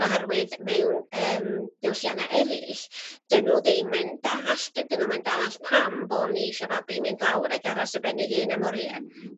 oherwydd miwn yym diwyllianna eryll 'dyn n'w ddim yn dallt 'dyn nw'm yn dallt pam bo' ni isio babi mynd lawr ac aros ar ben ei hun am orie.